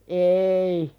ei